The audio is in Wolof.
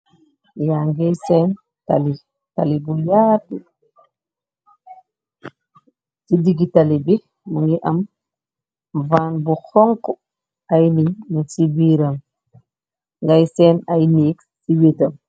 Ya nge seen taly, taly bu yaatu, si digg taly bi mingi am van bu xonxu, ay nitt nyun si biiram, ngey seen ay neeg si wetam.